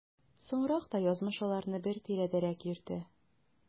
Соңрак та язмыш аларны бер тирәдәрәк йөртә.